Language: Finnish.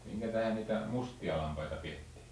minkä tähden niitä mustia lampaita pidettiin